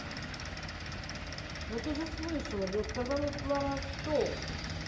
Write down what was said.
ну ты же слышала я сказала слова стоп